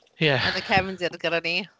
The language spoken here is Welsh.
Ie ... Yn y cefndir gyda ni.